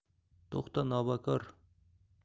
to'xta nobakor